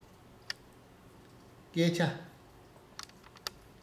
སྐད ཆ